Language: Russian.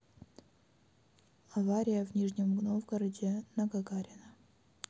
авария в нижнем новгороде на гагарина